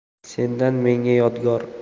sendan menga yodgor